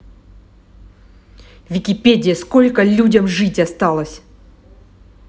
википедия сколько людям жить осталось